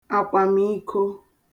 àkwàmiko